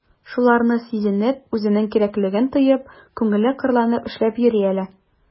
Шуларны сизенеп, үзенең кирәклеген тоеп, күңеле кырланып эшләп йөри әле...